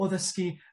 o ddysgu